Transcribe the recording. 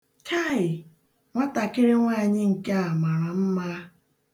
Kai! Nwatakịrị nwaanyị nke a mara mma!